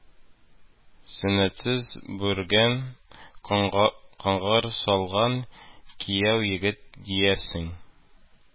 Сөннәтсез бүреген каңгар салган – кияү егете диярсең